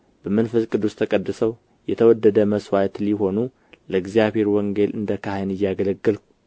በመንፈስ ቅዱስ ተቀድሰው የተወደደ መሥዋዕት ሊሆኑ ለእግዚአብሔር ወንጌል እንደ ካህን እያገለገልሁ